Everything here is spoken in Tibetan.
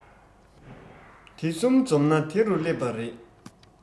དེ གསུམ འཛོམས ན དེ རུ སླེབས པ རེད